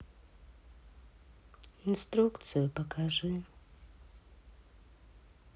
инструкцию покажи